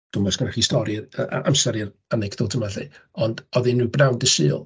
Dwi'm yn gwbod oes gennoch chi stori, amser i'r anecdote yma 'lly, ond oedd hi'n bnawn dydd Sul.